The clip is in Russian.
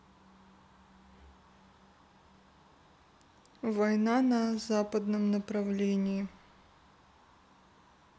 война на западном направлении